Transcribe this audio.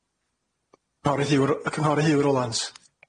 Cynghory- Hiw r- y cynghorydd Huw Rowlans.